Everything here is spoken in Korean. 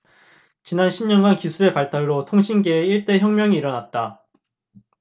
지난 십 년간 기술의 발달로 통신계에 일대 혁명이 일어났다